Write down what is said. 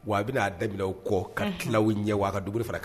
Wa a bɛ'a daminɛ kɔ ka kiw ɲɛ wa a ka dumuni fara kan